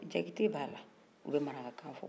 jakite b' a la o bɛ marakakan fɔ